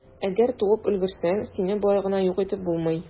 Әгәр туып өлгерсәң, сине болай гына юк итеп булмый.